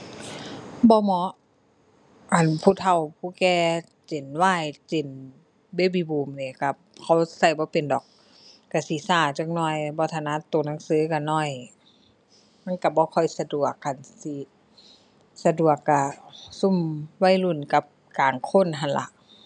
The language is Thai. บ่เหมาะ อันผู้เฒ่าผู้แก่ Gen Y Gen baby boom นี่ก็เข้าก็บ่เป็นดอกก็สิก็จักหน่อย บ่ถนัดก็หนังสือก็น้อย มันก็บ่ค่อยสะดวกคันสิสะดวกก็ซุมวัยรุ่นกับกลางคนหั่นล่ะ